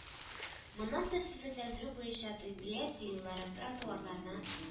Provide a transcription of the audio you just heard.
Моннан тыш, төзекләндерү буенча предприятие юлларны, тротуарларны